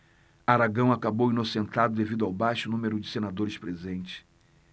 aragão acabou inocentado devido ao baixo número de senadores presentes